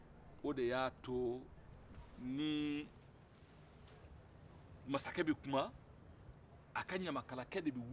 o de y 'a to ni masakɛ bɛ kuman a ɲamakalakɛ de bɛ wuli